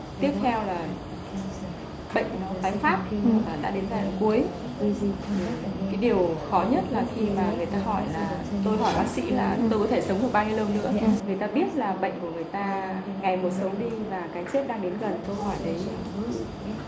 tiếp theo là bệnh nó tái phát đã đến giai đoạn cuối cái điều khó nhất là khi mà người ta hỏi là tôi hỏi bác sĩ là tôi có thể sống được bao nhiêu lâu nữa người ta biết là bệnh của người ta ngày một xấu đi và cái chết đang đến gần câu hỏi đấy